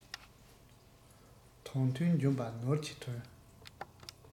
དོན མཐུན འཇོམས པ ནོར གྱི དོན